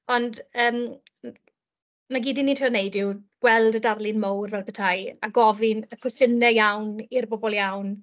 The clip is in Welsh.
Ond yym n- na gyd 'yn ni'n trio gwneud yw gweld y darlun mowr fel petai a gofyn y cwestiynnau iawn i'r bobl iawn.